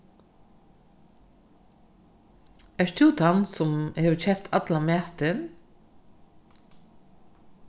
ert tú tann sum hevur keypt allan matin